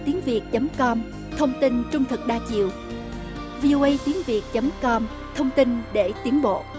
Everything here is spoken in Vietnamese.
tiếng việt chấm com thông tin trung thực đa chiều vi ô ây tiếng việt chấm com thông tin để tiến bộ